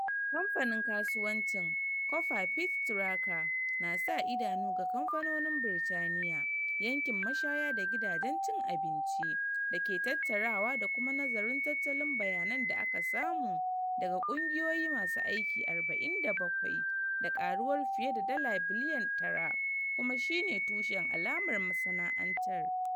Kamfanin Kasuwancin Coffer Peach Tracker na sa idanu ga kamfanonin Birtaniya, yankin mashaya da gidajen cin abinci da ke tattarawa da kuma nazarin tattalin bayanan da aka samu daga kungiyoyi masu aiki 47, da karuwar fiye da dala biliyan 9,kuma shi ne tushen alamar masana'antar.